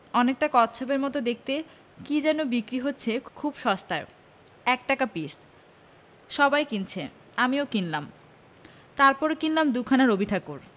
অনেকটা কচ্ছপের মত দেখতে কি যেন বিক্রি হচ্ছে খুব সস্তায় এক টাকা পিস সবাই কিনছে আমিও কিনলাম তারপর কিনলাম দু'খানা রবিঠাকুর